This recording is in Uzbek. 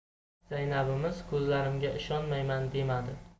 zaynabimiz ko'zlarimga ishonmayman demadi